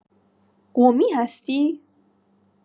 قمی هستی؟